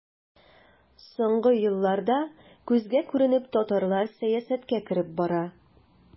Соңгы елларда күзгә күренеп татарлар сәясәткә кереп бара.